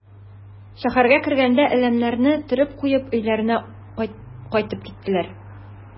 Шәһәргә кергәндә әләмнәрне төреп куеп өйләренә кайтып киттеләр.